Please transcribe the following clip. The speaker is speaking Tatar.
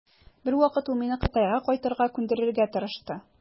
Бер вакыт ул мине Кытайга кайтырга күндерергә тырышты.